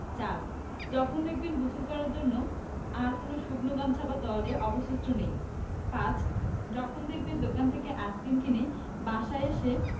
৪. যখন দেখবেন গোসল করার জন্য আর কোনো শুকনো গামছা বা তোয়ালে অবশিষ্ট নেই ৫. যখন দেখবেন দোকান থেকে আইসক্রিম কিনে বাসায় এসে